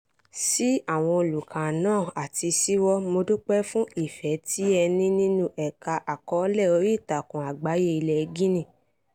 Sí àwọn olùkà náà àti sí ìwọ, mo dúpẹ́ fún ìfẹ́ tí ẹ ní nínú ẹ̀ka àkọọ́lẹ̀ oríìtakùn àgbáyé ilẹ̀ Guinea.